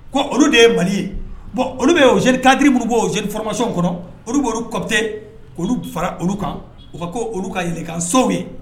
Ko olu de ye Mali ye ,bɔn olu bɛ o jeunes cadres minnu bɔ o. jeune formatiion in kɔnɔ , u bɛ olu copter k'olu fara olu kan k' u kɛ olu ka yɛlɛkansow ye.